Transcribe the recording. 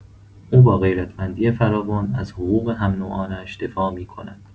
او با غیرتمندی فراوان از حقوق هم‌نوعانش دفاع می‌کند.